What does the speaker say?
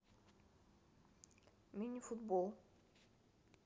мини футбол